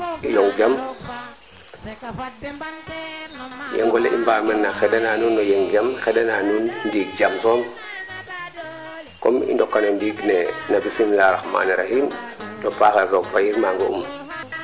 ok a fiya ngaan bo ndiik rek o ref meeke no 101 point 5 i ndalfooxo commencer laamit ke parce que ne ley uuma nuun rek o daawo leŋ jegate fopo way no calel ke ka i ndafooxo ndoka no lamit ke pour Zale Ngom a fiya ngaan rek i mbaxtaanit ka ke farna no ax paax ke